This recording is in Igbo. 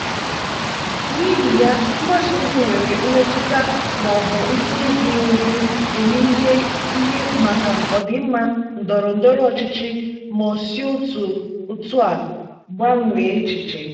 N'ihi ya, mgbasa ozi nwere metụta ma ọ bụ ndị na-ezighi ezi eme ihe ihe maka ọdịmma ndọrọ ndọrọ ọchịchị ma si otú a gbanwee echiche.